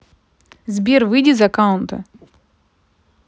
сбер выйди из аккаунта